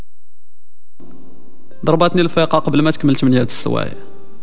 ضربتني الفقه قبل ما تكمل